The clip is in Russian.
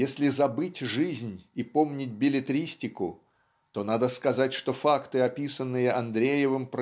если забыть жизнь и помнить беллетристику то надо сказать что факты описанные Андреевым